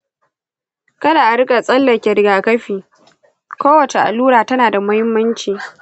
kada a rika tsallake rigakafi. kowace allura tana da muhimmanci.